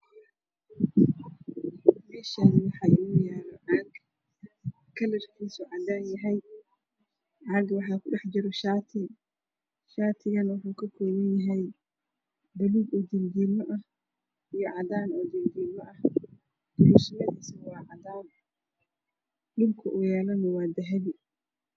Mashan waa yalo cag cadan ah wax kujiro shaar garay miskas waa jale